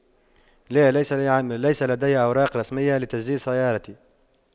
لا ليس ليس لدي أوراق رسمية لتسجيل سيارتي